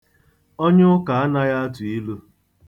Onye ụkọ anaghị atụ ilu.